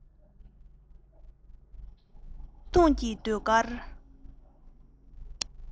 བརྩེ དུང གི ཟློས གར